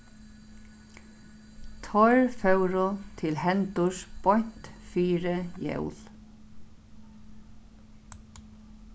teir fóru til hendurs beint fyri jól